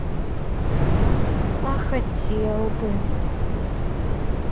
а хотел бы